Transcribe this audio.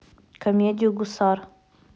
комедию гусар